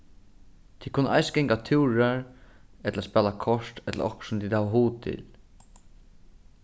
tit kunnu eisini ganga túrar ella spæla kort ella okkurt sum tit hava hug til